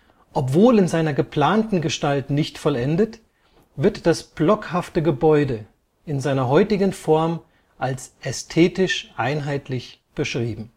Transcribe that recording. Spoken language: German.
Obwohl in seiner geplanten Gestalt nicht vollendet, wird das blockhafte Gebäude in seiner heutigen Form als ästhetisch einheitlich beschrieben